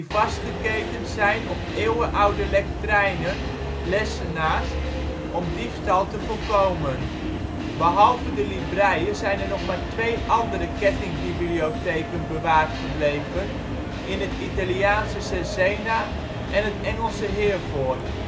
vastgeketend zijn op eeuwenoude lectrijnen, lessenaars, om diefstal te voorkomen. Behalve de Librije zijn er nog maar twee andere ' kettingbibliotheken ' bewaard gebleven, in het Italiaanse Cesena en het Engelse Hereford